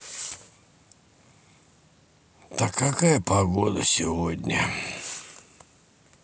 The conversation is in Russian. так как погода сегодня